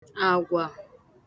àgwà